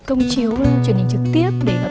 công chiếu truyền hình trực tiếp để